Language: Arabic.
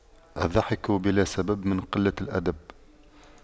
الضحك بلا سبب من قلة الأدب